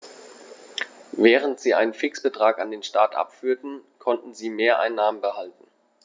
Während sie einen Fixbetrag an den Staat abführten, konnten sie Mehreinnahmen behalten.